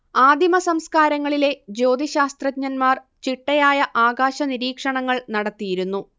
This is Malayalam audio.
ആദിമസംസ്കാരങ്ങളിലെ ജ്യോതിശാസ്ത്രജ്ഞന്മാർ ചിട്ടയായ ആകാശനിരീക്ഷണങ്ങൾ നടത്തിയിരുന്നു